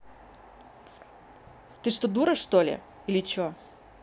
ты что дура что ли или че